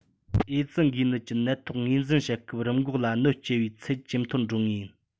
ཨེ ཙི འགོས ནད ཀྱི ནད ཐོག ངོས འཛིན བྱེད སྐབས རིམས འགོག ལ གནོད སྐྱེལ བའི ཚད ཇེ མཐོར འགྲོ ངེས ཡིན